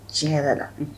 Ci yɛrɛ la